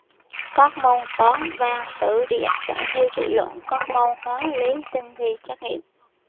các môn toán văn sử địa sẽ thi tự luận các môn hóa lý sinh thi trắc nghiệm